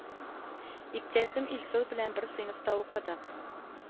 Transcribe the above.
Иптәшем Илсур белән бер сыйныфта укыдык